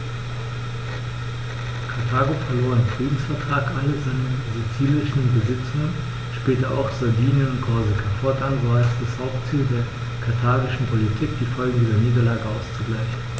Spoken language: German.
Karthago verlor im Friedensvertrag alle seine sizilischen Besitzungen (später auch Sardinien und Korsika); fortan war es das Hauptziel der karthagischen Politik, die Folgen dieser Niederlage auszugleichen.